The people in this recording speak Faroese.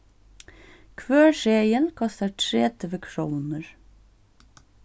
hvør seðil kostar tretivu krónur